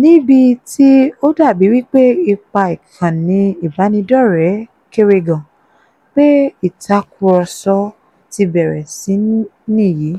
níbi tí ó dàbí wípé ipa ìkànnì ìbánidọ́rẹ̀ẹ́ kéré gan - pé ìtàkurọ̀sọ̀ ti bẹ̀rẹ̀ sí ní yí.